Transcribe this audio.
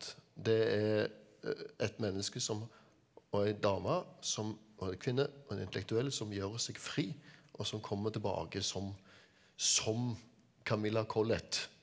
det er et menneske som og en dame som og en kvinne og en intellektuell som gjør seg fri og som kommer tilbake som som Camilla Collett.